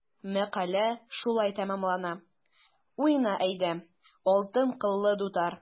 Мәкалә шулай тәмамлана: “Уйна, әйдә, алтын кыллы дутар!"